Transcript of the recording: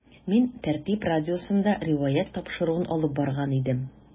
“мин “тәртип” радиосында “риваять” тапшыруын алып барган идем.